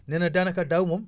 nee na daanaka daaw moom